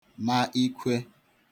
ma ikwe